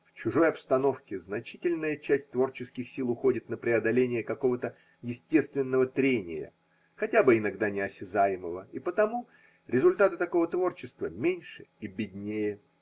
В чужой обстановке значительная часть творческих сил уходит на преодоление какого-то естественного трения, хотя бы иногда неосязаемого, и потому резуль– таты такого творчества меньше и беднее.